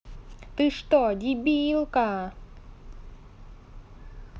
ты что дебилка